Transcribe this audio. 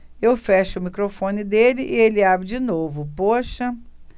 eu fecho o microfone dele ele abre de novo poxa